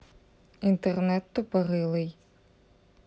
интернет тупорылый